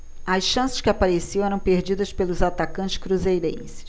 as chances que apareciam eram perdidas pelos atacantes cruzeirenses